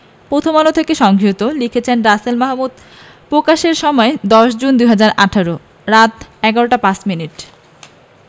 প্রথমআলো হতে সংগৃহীত লিখেছেন রাসেল মাহ্ মুদ প্রকাশের সময় ১০ জুন ২০১৮ রাত ১১টা ৫ মিনিট